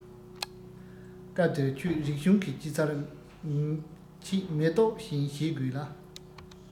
སྐབས དེར ཁྱོད རིག གཞུང གི སྐྱེད ཚལ ཆེད མེ ཏོག བཞིན བཞེད དགོས ལ